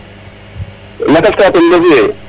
lakas ka ten refu yee